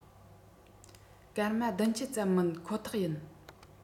སྐར མ ༧༠ ཙམ མིན ཁོ ཐག ཡིན